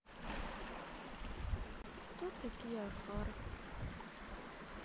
кто такие архаровцы